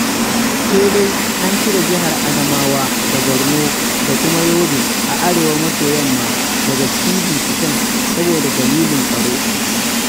Sai dai , an cire Jihar Adamawa da Borno da kuma Yobe a Arewa-maso Yamma daga cikin binciken saboda dalilin tsaro